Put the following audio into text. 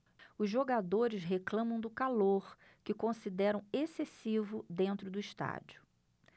os jogadores reclamam do calor que consideram excessivo dentro do estádio